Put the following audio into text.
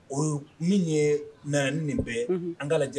O min ye na ni nin bɛɛ an ka lajɛ